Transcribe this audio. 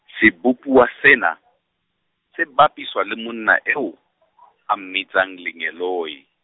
sebopuwa sena , sebapiswa le monna eo , a mmitsang lengeloi.